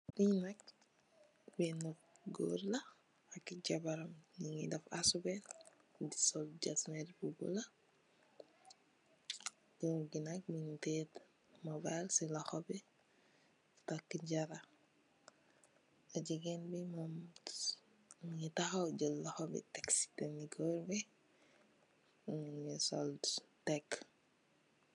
Kii nak benah gorre la ak jabaram njungy deff ashobi, njungy sol getzner bu bleu, gorre gui nak mungy tiyeh mobile cii lokhor bii, takue jannrah, gigain bii mungy takhaw jel lokhor bii tek cii dehnue gorr bi, mungy sol tek.